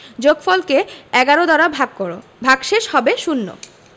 যোগফল কে ১১ দ্বারা ভাগ কর ভাগশেষ হবে শূন্য